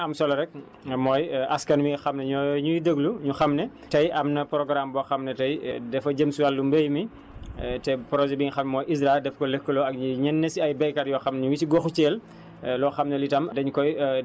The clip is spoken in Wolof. waaye am na solo li si gën a am solo rek mooy askan wi nga xam ne ñooñuy déglu ñu xam na tey am na programme boo xam ne tey dafa jëm si wàllu mbéy mi te projet bi nga xam mooy ISRA daf ko lëkkaloo ak ñenn si ay béykat yoo xam ñu ngi si goxu Thiel